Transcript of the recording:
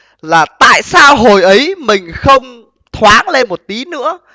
là tại sao hồi ấy mình không thoáng lên một tí nữa